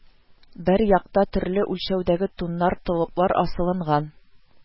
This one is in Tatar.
Бер якта төрле үлчәүдәге туннар, толыплар асылынган